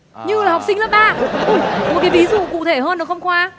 như là học sinh lớp ba một cái ví dụ cụ thể hơn được không khoa